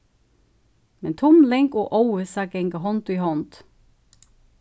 men tumling og óvissa ganga hond í hond